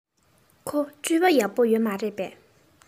ཁོའི སྤྱོད པ ཡག པོ ཡོད མ རེད པས